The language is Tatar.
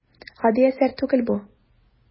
Гади әсәр түгел бу.